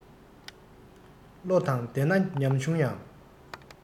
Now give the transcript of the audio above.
བློ དང ལྡན ན ཉམ ཆུང ཡང